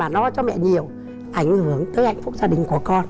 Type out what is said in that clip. mà lo cho mẹ nhiều ảnh hưởng tới hạnh phúc gia đình của con